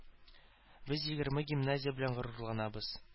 Без егерме гимназия белән горурланабыз